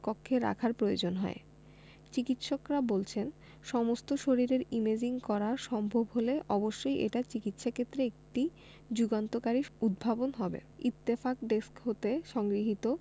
কক্ষে রাখার প্রয়োজন হয় চিকিত্সকরা বলছেন সমস্ত শরীরের ইমেজিং করা সম্ভব হলে অবশ্যই এটা চিকিত্সাক্ষেত্রে একটি যুগান্তকারী উদ্ভাবন হবে ইত্তেফাক ডেস্ক হতে সংগৃহীত